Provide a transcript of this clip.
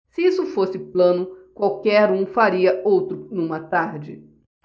se isso fosse plano qualquer um faria outro numa tarde